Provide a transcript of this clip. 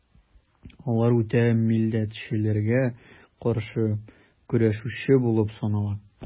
Алар үтә милләтчеләргә каршы көрәшүче булып санала.